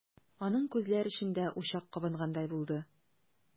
Аның күзләр эчендә учак кабынгандай булды.